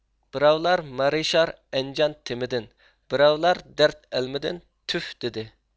بىراۋلار مارىشار ئەنجان تېمىدىن بىراۋلار دەرد ئەلىمىدىن تۈف دېدى